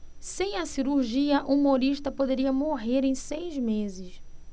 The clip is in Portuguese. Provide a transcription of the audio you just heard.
sem a cirurgia humorista poderia morrer em seis meses